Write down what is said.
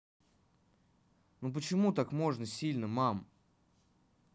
ну почему так можно сильно мам